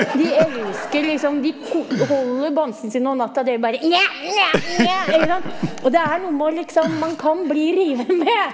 de elsker liksom, de holder bamsen sin om natta, dere bare ikke sant, og det er noe med å liksom man kan bli revet med.